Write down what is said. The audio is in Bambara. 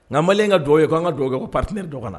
N an malen n ka dugawu ye' an ka dugawu kɛ ko pati ne dɔgɔ na